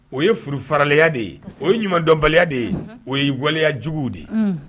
O ye furu faralaya de ye o ye ɲumandɔnbaliya de ye o ye waleyajugu de ye